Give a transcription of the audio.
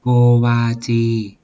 โกวาจี